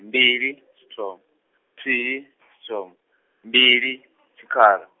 mbili tshithoma, thihi tshithoma, mbili tshikhala.